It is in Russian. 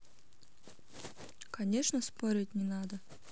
конечно спорить не надо